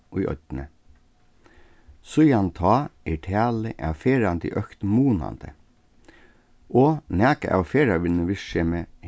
í oynni síðan tá er talið av ferðandi økt munandi og nakað av ferðavinnuvirksemi